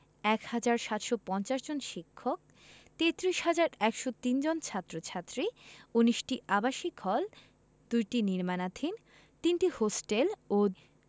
১ হাজার ৭৫০ জন শিক্ষক ৩৩ হাজার ১০৩ জন ছাত্র ছাত্রী ১৯টি আবাসিক হল ২টি নির্মাণাধীন ৩টি হোস্টেল ও